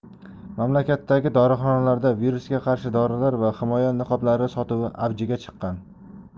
mamlakatdagi dorixonalarda virusga qarshi dorilar va himoya niqoblari sotuvi avjiga chiqqan